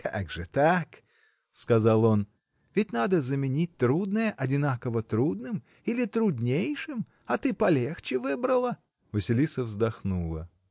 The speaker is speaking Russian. — Как же так, — сказал он, — ведь надо заменить трудное одинаково трудным или труднейшим, а ты полегче выбрала! Василиса вздохнула.